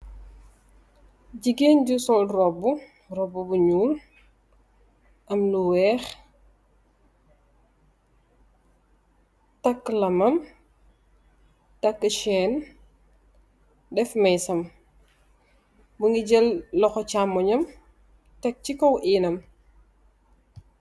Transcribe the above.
Gigeen ñu sol róbbu, róbbu bu ñuul am lu wèèx, takka lamam, takka cèèn, def més am. Mugii jél loxo camooy am tek ci kaw éénam.